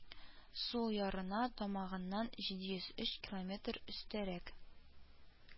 Сул ярына тамагыннан җиде йз өч километр өстәрәк